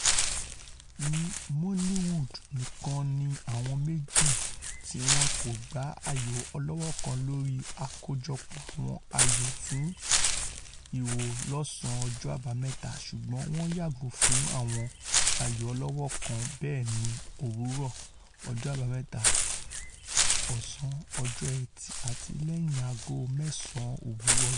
"Moliwood'' nìkan ni àwọn méjì tíwọn kògbá ayò ọlọ́wọ́kan lórí àkójọpọ̀ àwọn ayò fún ihò lọ́ọ̀sán ọjọ́ Àbámẹ́ta, ṣùgbọ́n wọ́n yàgò fún àwọn ayò ọlọ́wọ́kan bẹ́ẹ̀ ní òwúrọ̀ ọjọ́ Àbámẹ́ta, ọ̀sán ọjọ́ Ẹtì àti lẹ́yìn aago mẹ́ẹ̀sán òwúrọ̀ ọjọ́ Ẹtì.